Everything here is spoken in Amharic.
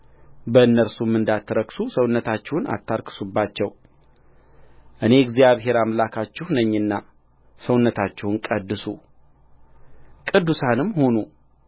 በእነርሱም እንዳትረክሱ ሰውነታችሁን አታርክሱባቸውእኔ እግዚአብሔር አምላካችሁ ነኝና ሰውነታችሁን ቀድሱ ቅዱሳንም ሁኑ